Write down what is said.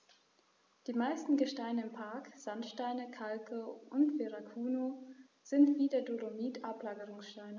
Die meisten Gesteine im Park – Sandsteine, Kalke und Verrucano – sind wie der Dolomit Ablagerungsgesteine.